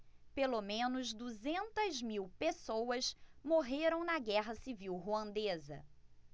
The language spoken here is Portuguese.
pelo menos duzentas mil pessoas morreram na guerra civil ruandesa